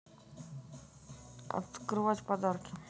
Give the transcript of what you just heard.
открывать подарки